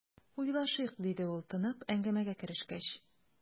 "уйлашыйк", - диде ул, тынып, әңгәмәгә керешкәч.